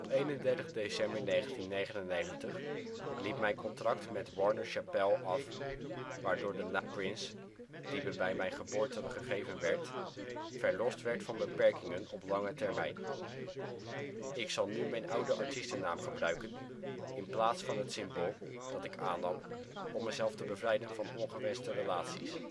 31 december 1999 liep mijn contract met Warner-Chappell af, waardoor de naam ' Prince ' die me bij mijn geboorte gegeven werd, verlost werd van beperkingen op lange termijn. Ik zal nu mijn oude artiestennaam gebruiken, in plaats van het symbool dat ik aannam om mezelf te bevrijden van ongewenste relaties